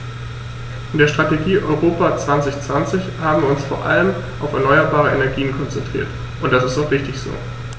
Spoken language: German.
In der Strategie Europa 2020 haben wir uns vor allem auf erneuerbare Energien konzentriert, und das ist auch richtig so.